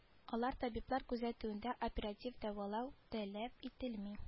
Алар табиблар күзәтүендә оператив дәвалау таләп ителми